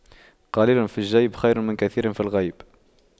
قليل في الجيب خير من كثير في الغيب